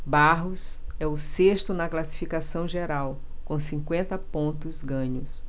barros é o sexto na classificação geral com cinquenta pontos ganhos